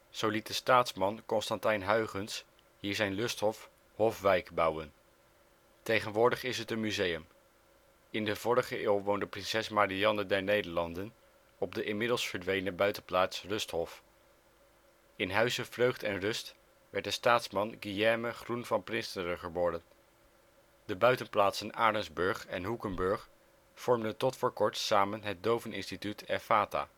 Zo liet de staatsman Constantijn Huygens hier zijn lusthof ' Hofwijck ' bouwen. Tegenwoordig is het een museum. In de vorige eeuw woonde prinses Marianne der Nederlanden op de inmiddels verdwenen buitenplaats Rusthof. In huize Vreugd en Rust werd de staatsman Guillaume Groen van Prinsterer geboren. De buitenplaatsen Arentsburg en Hoekenburg vormden tot voor kort samen het doveninstituut Effatha